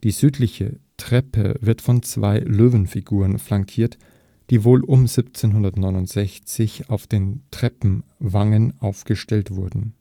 südliche Treppe wird von zwei Löwenfiguren flankiert, die wohl um 1769 auf den Treppenwangen aufgestellt wurden